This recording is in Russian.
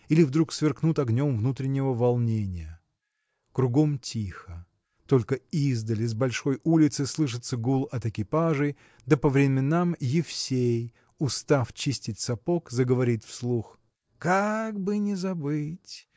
или вдруг сверкнут огнем внутреннего волнения. Кругом тихо. Только издали с большой улицы слышится гул от экипажей да по временам Евсей устав чистить сапог заговорит вслух Как бы не забыть